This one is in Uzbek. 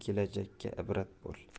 kelajakka ibrat bo'l